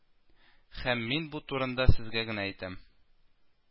Һәм мин бу турыда сезгә генә әйтәм